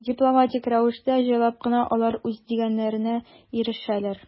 Дипломатик рәвештә, җайлап кына алар үз дигәннәренә ирешәләр.